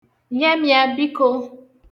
Nye m ya, biko!